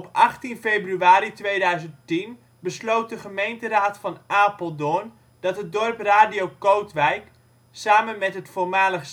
18 februari 2010 besloot de gemeenteraad van Apeldoorn dat het dorp Radio Kootwijk samen met het voormalig